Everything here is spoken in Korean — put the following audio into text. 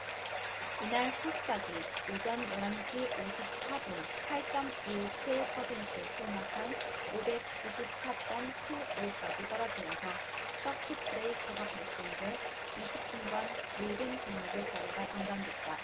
이날 코스닥이 오전 열 한 시 오십 사 분 팔 쩜 일 칠 퍼센트 폭락한 오백 구십 사 쩜 칠 오 까지 떨어지면서 서킷 브레이커가 발동돼 이십 분간 모든 종목의 거래가 중단됐다